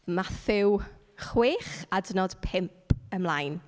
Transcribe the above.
Mathew chwech, adnod pump ymlaen.